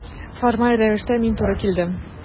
Формаль рәвештә мин туры килдем.